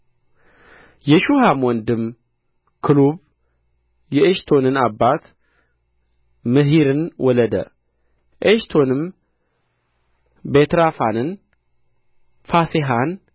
የሹሐም ወንድም ክሉብ የኤሽቶንን አባት ምሒርን ወለደ ኤሽቶንም ቤትራ ፋንና ፋሴሐን